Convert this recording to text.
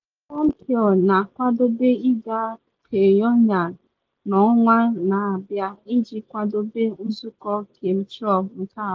Pompeo na akwadobe ịga Pyongyang n’ọnwa na abịa iji kwadobe nzụkọ Kim-Trump nke abụọ.